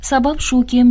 sabab shukim